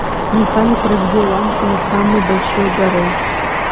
механик разбил лампу на самой большой горы